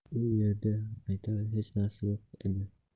bu yerda aytarli hech narsa yo'q edi